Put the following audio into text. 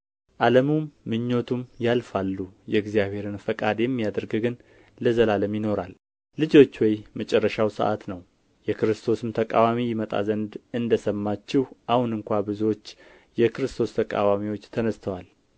ዓለሙም ምኞቱም ያልፋሉ የእግዚአብሔርን ፈቃድ የሚያደርግ ግን ለዘላለም ይኖራል ልጆች ሆይ መጨረሻው ሰዓት ነው የክርስቶስም ተቃዋሚ ይመጣ ዘንድ እንደ ሰማችሁ አሁን እንኳ ብዙዎች የክርስቶስ ተቃዋሚዎች ተነሥተዋል